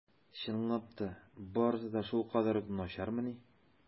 Чынлап та барысы да шулкадәр үк начармыни?